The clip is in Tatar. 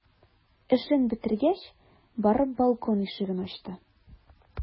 Эшен бетергәч, барып балкон ишеген ачты.